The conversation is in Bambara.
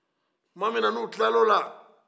tumami ni u tilala o la